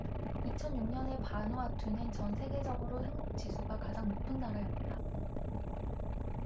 이천 육 년에 바누아투는 전 세계적으로 행복 지수가 가장 높은 나라였다